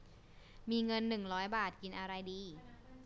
มีเงินหนึ่งร้อยบาทกินอะไรดี